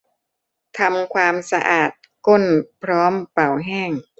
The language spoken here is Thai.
ทำความสะอาดก้นพร้อมเป่าแห้ง